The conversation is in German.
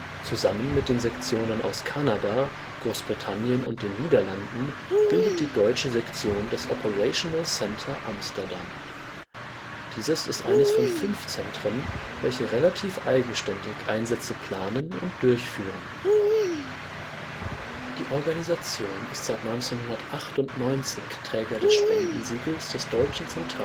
Zusammen mit den Sektionen aus Kanada, Großbritannien und den Niederlande bildet die deutsche Sektion das Operational Centre Amsterdam. Dieses ist eines von fünf Zentren, welche relativ eigenständig Einsätze planen und durchführen. Die Organisation ist seit 1998 Träger des DZI-Spendensiegels. Im